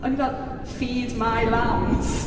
O'n i fel "feed my lambs" .